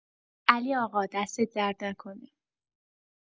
علی‌آقا، دستت درد نکنه.